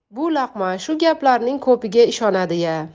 bu laqma shu gaplarning ko'piga ishonadi ya